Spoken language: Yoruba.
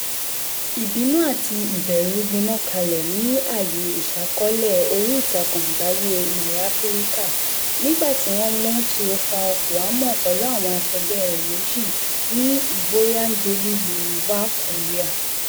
Ìbínú àti ìbẹ̀rù gbiná kalẹ̀ ní àyè ìṣàkọọ́lẹ̀ oríìtakùn àgbáyé ilẹ̀ Áfíríkà nígbà tí wọ́n mú Théophile Kouamouo pẹ̀lú àwọn akẹgbẹ́ rẹ̀ méjì ní Ivorian Daily Le Nouveau Courrier.